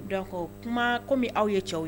Donc kuma komin aw ye cɛw ye.